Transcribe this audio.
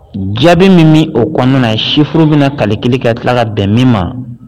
Jaabi min min o kɔnɔna na chiffres bɛna na calcul kɛ ka tila ka bɛn min ma.